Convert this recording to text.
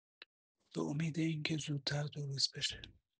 به امید اینکه زودتر درست بشه